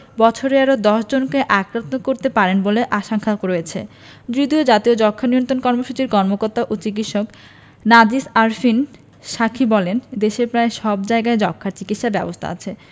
বছরে আরও ১০ জনকে আক্রান্ত করতে পারেন বলে আশঙ্কা রয়েছে যদিও জাতীয় যক্ষ্মা নিয়ন্ত্রণ কর্মসূচির কর্মকর্তা ও চিকিৎসক নাজিস আরেফিন সাকী বলেন দেশের প্রায় সব জায়গায় যক্ষ্মার চিকিৎসা ব্যবস্থা আছে